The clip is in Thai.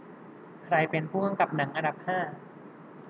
ใครเป็นผู้กำกับหนังอันดับห้า